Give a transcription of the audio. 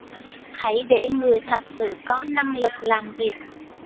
hãy để người thật sự có năng lực làm việc